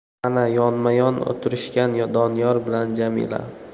mana yonma yon o'tirishgan doniyor bilan jamila